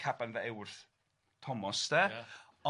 Caban fy Ewrth Thomas 'de. Ia.